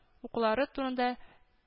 Укулары турында